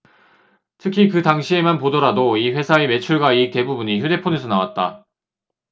특히 그 당시에만 보더라도 이 회사의 매출과 이익 대부분이 휴대폰에서 나왔다